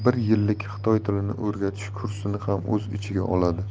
xitoy tilini o'rgatish kursini ham o'z ichiga oladi